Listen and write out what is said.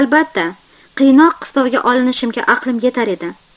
albatta qiynoq qistovga olinishimga aqlim yetar edi